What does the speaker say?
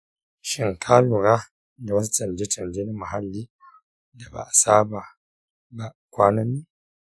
shin ka lura da wasu canje-canje na muhalli da ba a saba ba kwanan nan?